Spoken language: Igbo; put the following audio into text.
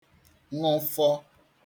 ṅụfọ